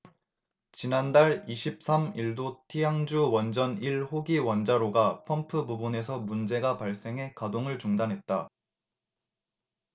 지난달 이십 삼 일도 티앙주 원전 일 호기 원자로가 펌프 부분에서 문제가 발생해 가동을 중단했다